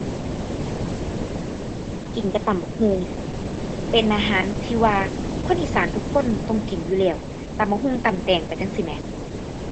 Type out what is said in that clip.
กินกับตำบักหุ่ง เป็นอาหารที่ว่าคนอีสานทุกคนต้องกินอยู่แล้ว ตำบักหุ่ง ตำแตงไปจั่งซี้แหม